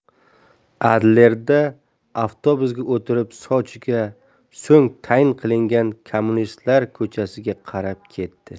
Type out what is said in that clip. adlerda avtobusga o'tirib sochiga so'ng tayin qilingan kommunistlar ko'chasiga qarab ketdi